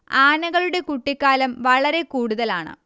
ആനകളുടെ കുട്ടിക്കാലം വളരെ കൂടുതലാണ്